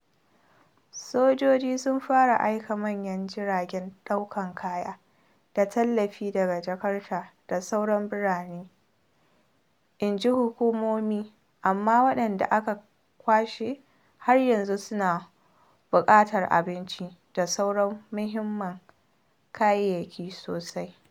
Sojoji sun fara aika manyan jiragen ɗaukan kaya da tallafi daga Jakarta da sauran birane, inji hukumomi, amma waɗanda aka kwashen har yanzu suna buƙatar abinci da sauran muhimman kayayyaki sosai.